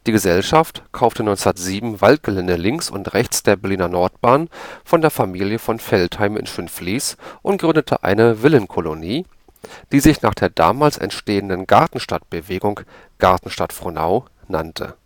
Gesellschaft kaufte 1907 Waldgelände links und rechts der Berliner Nordbahn von der Familie von Veltheim in Schönfließ und gründete eine Villenkolonie, die sie nach der damals entstehenden Gartenstadtbewegung „ Gartenstadt Frohnau “nannte